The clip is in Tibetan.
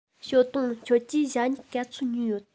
ཞའོ ཏུང ཁྱོད ཀྱིས ཞྭ སྨྱུག ག ཚོད ཉོས ཡོད